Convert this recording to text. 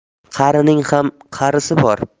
qarining ham qarisi bor